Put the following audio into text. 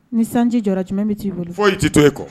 Ni sanji jɔ jumɛn bɛ t'i bolo fo y' tɛ to yen kɔ